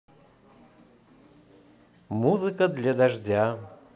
музыка для дождя